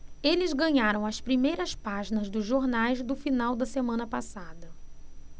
eles ganharam as primeiras páginas dos jornais do final da semana passada